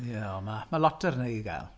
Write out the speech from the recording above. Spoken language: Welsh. Ie, o ma' ma' lot o hynny i gael.